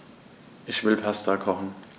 Ich will Pasta kochen.